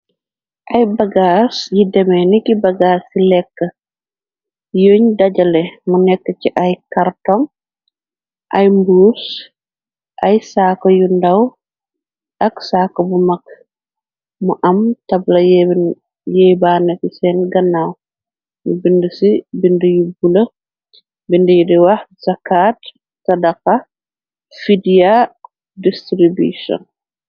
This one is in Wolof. Ay bagaar yi demee niki bagaar ci lekk yuuñ dajale mu nekk ci ay carton ay mbos ay saako yu ndaw ak saaka bu mag mu am tabla yey bannéki seen gannaaw nu bind ci bind yu buna bind yi di wax sacaat ca daxa vydia distribution.